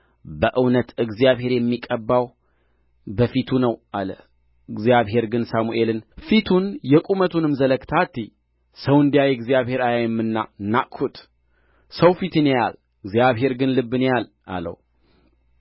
በእውነት እግዚአብሔር የሚቀባው በፊቱ ነው አለ እግዚአብሔር ግን ሳሙኤልን ፊቱን የቁመቱንም ዘለግታ አትይ ሰው እንዲያይ እግዚአብሔር አያይምና ናቅሁት ሰው ፊትን ያያል እግዚአብሔር ግን ልብን ያያል አለው